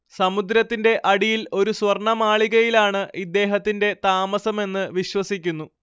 സമുദ്രത്തിന്റെ അടിയിൽ ഒരു സ്വർണ്ണമാളികയിലാണ് ഇദ്ദേഹത്തിന്റെ താമസമെന്ന് വിശ്വസിക്കുന്നു